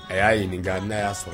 A ya ɲininka na ya sɔrɔ